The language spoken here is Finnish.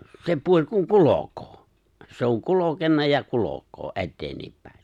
se puoli kun kulkee se on kulkenut ja kulkee eteenpäin